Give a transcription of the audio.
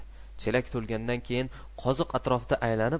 chelak to'lganidan keyin qoziq atrofida aylanib